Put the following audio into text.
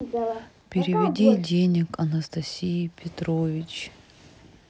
переведи денег анастасии петрович